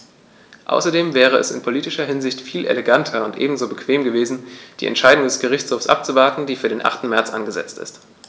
Außerdem wäre es in politischer Hinsicht viel eleganter und ebenso bequem gewesen, die Entscheidung des Gerichtshofs abzuwarten, die für den 8. März angesetzt ist.